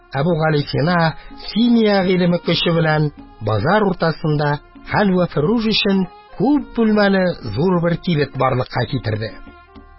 Әбүгалисина симия гыйлеме көче белән базар уртасында хәлфәрүш өчен күп бүлмәле зур бер кибет барлыкка китерде.